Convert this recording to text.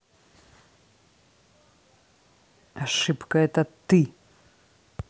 ошибка это ты